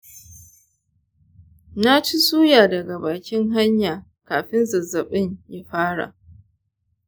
na ci suya daga bakin hanya kafin zazzabin ya fara.